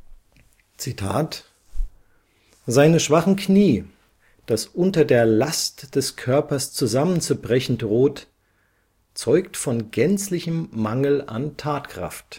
V.: „ Seine schwachen Knie, das unter der Last des Körpers zusammenzubrechen droht, zeugt von gänzlichem Mangel an Thatkraft